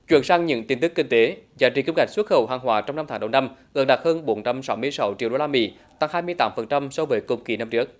chuyển sang những tin tức kinh tế giá trị kim ngạch xuất khẩu hàng hóa trong năm tháng đầu năm ước đạt hơn bốn trăm sáu mươi sáu triệu đô la mỹ tăng hai mươi tám phần trăm so với cùng kỳ năm trước